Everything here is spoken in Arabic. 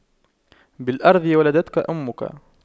بالأرض ولدتك أمك